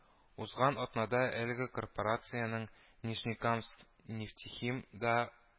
Узган атнада әлеге корпорациянең “Нижнекамскнефтехим” да